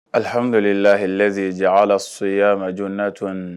Alilham lah zeja alasoya mɛnjnat